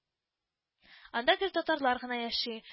Анда гел татарлар гына яши